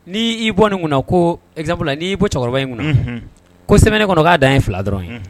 Ni i y'i bɔ nin kunna ko, exemple la, n'i y'i bɔ cɛkɔrɔba in kunna. Unhun! Ko semaine kɔnɔ, ko a dan ye 2 dɔrɔn ye. Un!